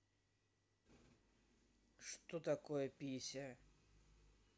что такое пися